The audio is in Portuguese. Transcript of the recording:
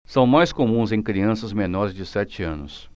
são mais comuns em crianças menores de sete anos